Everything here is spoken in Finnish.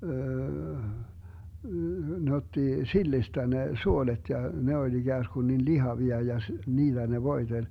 ne otti sillistä ne suolet ja ne oli ikään kuin niin lihavia ja - niillä ne voiteli